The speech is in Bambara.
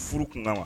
Furu kunkan wa